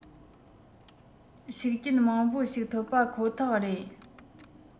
ཤུགས རྐྱེན མང པོ ཞིག ཐོབ པ ཁོ ཐག རེད